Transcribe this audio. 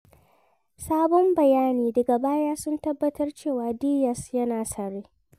[Sabon bayani: daga baya sun tabbatar cewa Diaz yana tsare]